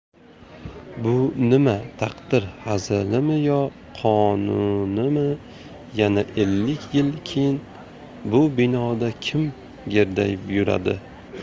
bu nima taqdir hazilimi yo qonunimi yana ellik yil keyin bu binoda kim gerdayib yuradi